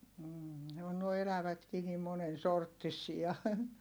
- ne on nuo elävätkin niin monen sorttisia